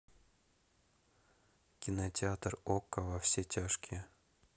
кинотеатр окко во все тяжкие